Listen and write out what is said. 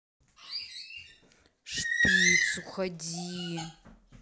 шпиц уход